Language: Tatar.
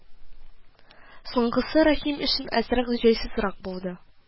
Соңгысы Рәхим өчен әзрәк җайсызрак булды